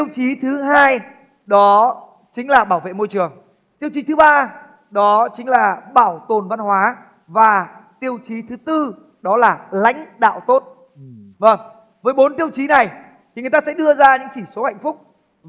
tiêu chí thứ hai đó chính là bảo vệ môi trường tiêu chí thứ ba đó chính là bảo tồn văn hóa và tiêu chí thứ tư đó là lãnh đạo tốt vầng với bốn tiêu chí này thì người ta sẽ đưa ra những chỉ số hạnh phúc